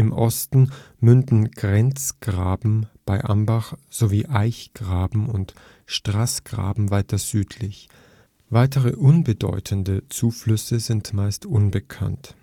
Osten münden Grenzgraben (bei Ambach) sowie Eichgraben und Straßgraben weiter südlich. Weitere unbedeutende Zuflüsse sind meist unbenannt